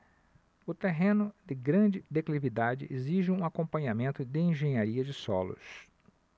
o terreno de grande declividade exige um acompanhamento de engenharia de solos